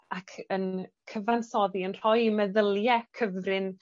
ac yn cyfansoddi yn rhoi meddylie cyfrin